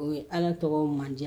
O ye ala tɔgɔ manden